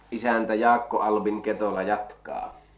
isäntä Jaakko Albin Ketola jatkaa